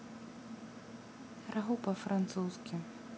рагу по французски